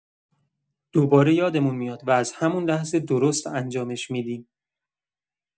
دوباره یادمون میاد و از همون لحظه درست انجامش می‌دیم.